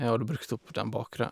Jeg hadde brukt opp den bakre.